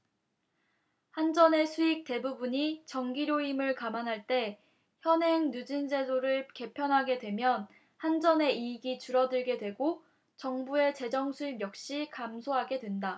한전 수익의 대부분이 전기료임을 감안할 때 현행 누진제도를 개편하게 되면 한전의 이익이 줄어들게 되고 정부의 재정수입 역시 감소하게 된다